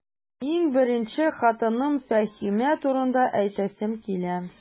Иң беренче, хатыным Фәһимә турында әйтәсем килә.